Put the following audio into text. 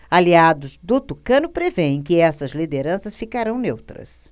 aliados do tucano prevêem que essas lideranças ficarão neutras